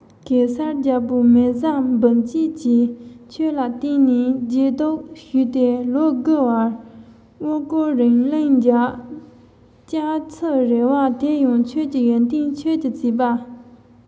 གེ སར རྒྱལ པོར མེ བཟའ འབུམ སྐྱིད ཀྱིས ཁྱོད ལ བརྟེན ནས བརྗེད དུག ཞུས ཏེ ལོ དགུ བར དབུ བསྐོར རིང གླིང འཇག སྐྱ ཕྱུ རེ བ དེ ཡང ཁྱོད ཀྱི ཡོན ཏན ཁྱོད ཀྱི བྱས པ